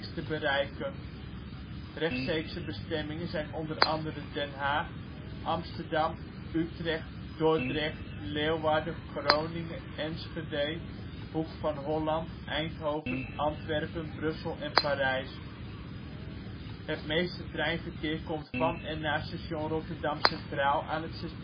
te bereiken. Rechtstreekse bestemmingen zijn onder andere: Den Haag, Amsterdam, Utrecht, Dordrecht, Leeuwarden, Groningen, Enschede, Hoek van Holland, Eindhoven, Antwerpen, Brussel en Parijs. Het meeste treinverkeer komt van en naar station Rotterdam Centraal aan het